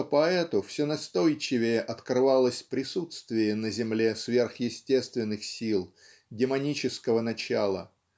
что поэту все настойчивее открывалось присутствие на земле сверхъестественных сил демонического начала.